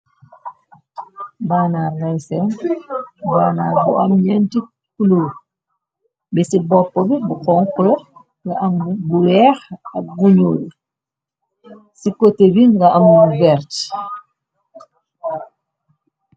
Bannaar ngay seen bannaar bu am ñyenti kuloor, be ci bopp bi bu xonku, nga am bu weex ak bu ñuul. Ci coté bi nga am bu verte.